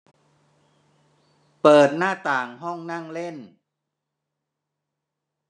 เปิดหน้าต่างห้องนั่งเล่น